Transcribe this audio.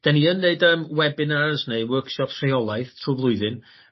'Dan ni yn neud yym webinars neu workshops rheolaeth trw flwyddyn